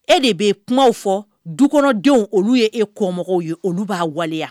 E de bɛ yen kuma fɔ dukɔnɔdenw olu ye e kɔmɔgɔw ye olu b'a waleya